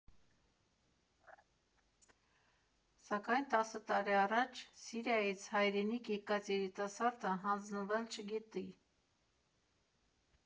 Սակայն տասը տարի առաջ Սիրիայից հայրենիք եկած երիտասարդը հանձնվել չգիտի։